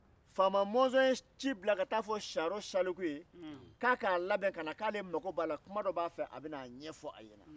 faama mɔnzɔn ye ci bila ka taa a fɔ saro saliku ye ko a k'a labɛn ka na k'ale mago bɛ a la kuma dɔ b'a fɛ a bɛ na a ɲɛfɔ a ɲɛna